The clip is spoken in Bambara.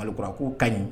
Ɲamakalakura ko ka ɲi